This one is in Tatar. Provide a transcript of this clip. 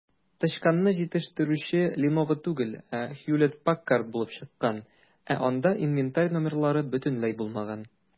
Тычканны җитештерүче "Леново" түгел, ә "Хьюлетт-Паккард" булып чыккан, ә анда инвентарь номерлары бөтенләй булмаган.